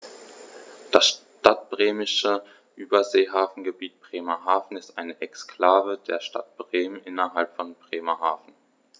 Das Stadtbremische Überseehafengebiet Bremerhaven ist eine Exklave der Stadt Bremen innerhalb von Bremerhaven.